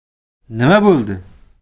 nima bo'ldi